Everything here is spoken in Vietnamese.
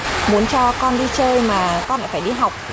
muốn cho con đi chơi mà còn phải đi học